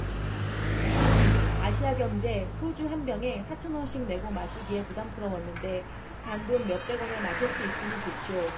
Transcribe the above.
사진 아시아경제 소주 한 병에 사천 원씩 내고 마시기에 부담스러웠는데 단 돈 몇백 원에 마실 수 있으니 좋죠